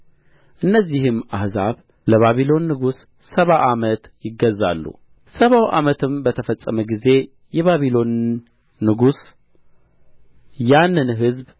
እነዚህም አሕዛብ ለባቢሎን ንጉሥ ሰባ ዓመት ይገዛሉ ሰባው ዓመትም በተፈጸመ ጊዜ የባቢሎንን ንጉሥና ያንን ሕዝብ